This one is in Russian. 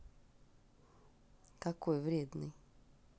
какой вредный